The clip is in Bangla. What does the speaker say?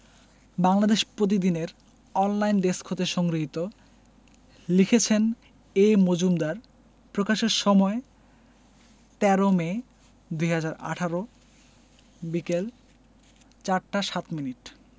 বাংলাদেশ প্রতিদিন এর অনলাইন ডেস্ক হতে সংগৃহীত লিখেছেনঃ এ মজুমদার প্রকাশের সময় ১৩মে ২০১৮ বিকেল ৪ টা ০৭ মিনিট